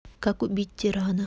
как убить тирана